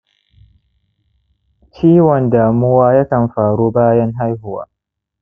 ciwon damuwa ya kan faru bayan haihuwa.